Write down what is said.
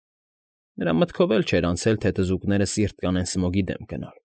Նրա մտքով էլ չէր անցել, թե թզուկները սիրտ կանեն Սմոգի դեմ գնալ։